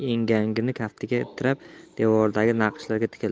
engagini kaftiga tirab devordagi naqshlarga tikildi